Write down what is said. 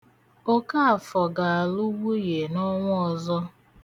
Okaafọ ga-alụ nwunye n'ọnwa ọzọ.